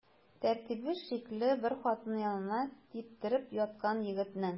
Тәртибе шикле бер хатын янында типтереп яткан егетең.